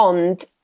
ond